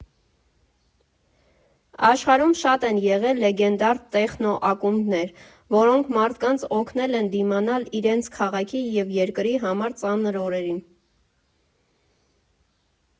Աշխարհում շատ են եղել լեգենդար տեխնո֊ակումբներ, որոնք մարդկանց օգնել են դիմանալ իրենց քաղաքի և երկրի համար ծանր օրերին։